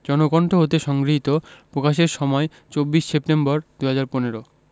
জনকণ্ঠ হতে সংগৃহীত প্রকাশের সময় ২৪ সেপ্টেম্বর ২০১৫